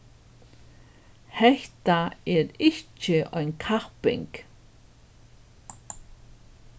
hetta er ikki ein kapping